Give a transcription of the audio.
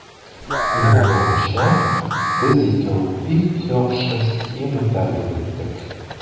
Минем уйлавымча, без икәү бик яхшы схема тәкъдим иттек.